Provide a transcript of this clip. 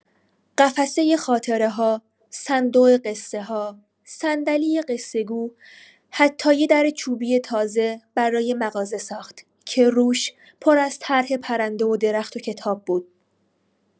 قفسۀ خاطره‌ها، صندوق قصه‌ها، صندلی قصه‌گو، حتی یه در چوبی تازه برای مغازه ساخت که روش پر از طرح پرنده و درخت و کتاب بود.